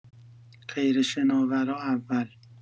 غیر شناورا اول